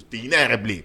U tɛ hinɛ yɛrɛ bilen